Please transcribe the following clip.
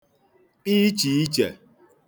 kpa ichìichè